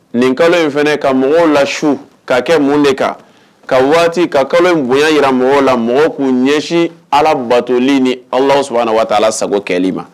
Nin kalo in fana ka mɔgɔw la sh ka kɛ mun de kan ka waati ka kalo bonya jirara mɔgɔw la mɔgɔw k'u ɲɛsin ala battoli ni aw s waati sago kɛli ma